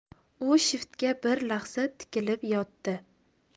u shiftga bir lahza tikilib yotdi